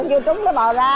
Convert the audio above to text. nhiêu tuấn nó bò ra